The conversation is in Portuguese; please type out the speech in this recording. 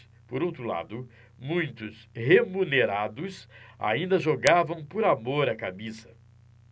por outro lado muitos remunerados ainda jogavam por amor à camisa